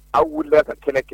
Aw wulila ka kɛnɛ kɛ